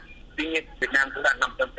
nằm trong